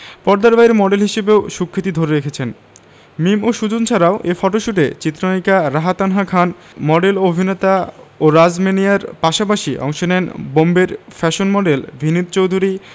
পর্দার বাইরে মডেল হিসেবেও সুখ্যাতি ধরে রেখেছেন মিম ও সুজন ছাড়াও এ ফটোশ্যুটে চিত্রনায়িকা রাহা তানহা খান মডেল ও অভিনেতা ও রাজ ম্যানিয়ার পাশাপাশি অংশ নেন বোম্বের ফ্যাশন মডেল ভিনিত চৌধুরী